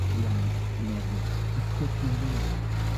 wlad normal, 'chos dydi o ddim.